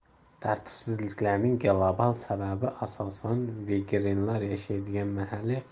tartibsizliklarning global sababi asosan vengerlar yashaydigan mahalliy